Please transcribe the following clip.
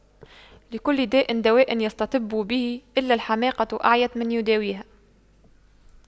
لكل داء دواء يستطب به إلا الحماقة أعيت من يداويها